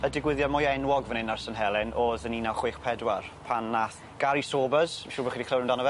Y digwyddiad mwya enwog fan 'yn ar Sin'. Helen o'dd yn un naw chwech pedwar pan nath Gary Sobers, siŵr bo' chi 'di clywed amdano fe.